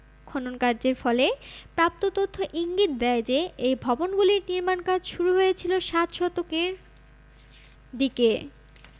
খননকার্যের ফলে প্রাপ্ত তথ্য ইঙ্গিত দেয় যে এই ভবনগুলির নির্মাণ কাজ শুরু হয়েছিল সাত শতকের দিকে